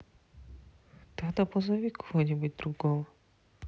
тогда позови кого нибудь другого